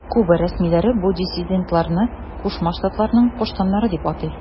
Куба рәсмиләре бу диссидентларны Кушма Штатларның куштаннары дип атый.